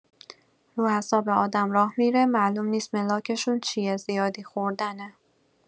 رو اعصاب آدم راه می‌ره معلوم نیس ملاکشون چیه زیادی خوردنه.